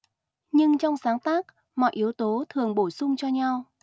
nhưng trong sáng tác mọi yếu tố thường bổ sung cho nhau